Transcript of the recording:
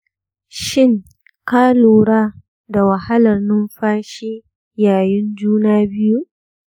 shin ka lura da wahalar numfashi yayin juna biyu?